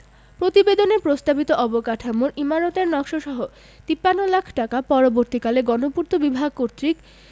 প্রতিবেদনে প্রস্তাবিত অবকাঠামোর ইমারতের নকশাসহ ৫৩ লাখ টাকা পরবর্তীকালে গণপূর্ত বিভাগ কর্তৃক